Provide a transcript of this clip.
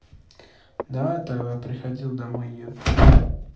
давай тогда приходил домой еду